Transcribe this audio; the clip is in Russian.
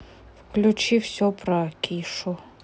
включи все про акишу